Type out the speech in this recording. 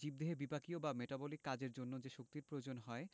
জীবদেহে বিপাকীয় বা মেটাবলিক কাজের জন্য যে শক্তির প্রয়োজন হয়